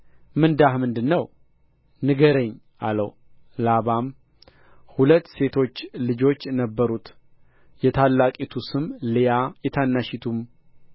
ምንዳህ ምንድር ነው ንገረኝ አለው ለላባም ሁለት ሴቶች ልጆች ነበሩት የታላቂቱ ስም ልያ የታናሺቱ